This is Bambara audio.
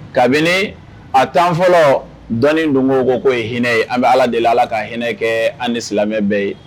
Kabini a 10 fɔlɔ dɔnni dunkew ko k'o ye hinɛ ye, an bɛ allah deeli allah ka hinɛ kɛ an ni silamɛ bɛɛ ye.